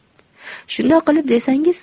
shundoq qilib desangiz